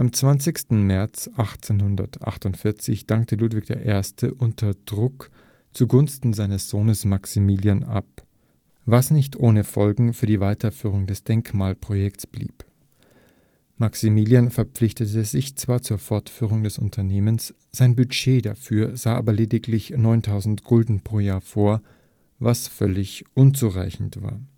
20. März 1848 dankte Ludwig I. unter Druck zugunsten seines Sohnes Maximilian ab, was nicht ohne Folgen für die Weiterführung des Denkmalprojekts blieb. Maximilian verpflichtete sich zwar zur Fortführung des Unternehmens, sein Budget dafür sah aber lediglich 9000 Gulden pro Jahr vor, was völlig unzureichend war